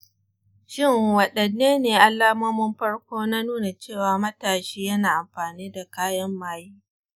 shin waɗanne ne alamomin farko na nuna cewa matashi yana amfani da kayan maye?